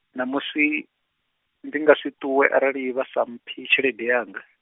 ṋamusi, ndi nga si ṱuwe arali vhasa mphi tshelede yanga.